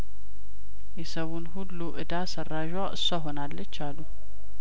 የሰዉን ሁሉ እዳ ሰራዧ እሷው ሆናለች አሉ